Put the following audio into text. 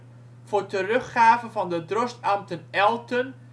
teruggave van de drostambten Elten